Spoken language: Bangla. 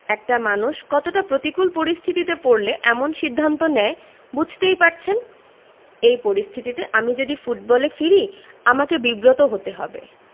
একটা মানুষ কতটা প্রতিকূল পরিস্থিতিতে পড়লে এমন সিদ্ধান্ত নেয় বুঝতেই পারছেন এই পরিস্থিতিতে আমি যদি ফুটবলে ফিরি আমাকে বিব্রত হতে হবে